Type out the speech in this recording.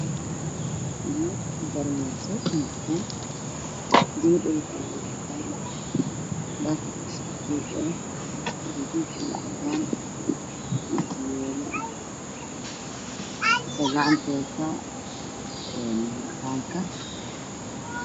Waa harqaan waxaa talaayo gabar afka ayaa u xiran midabka harqaanka waa caddaan gabar kale ayaa ka dambeyso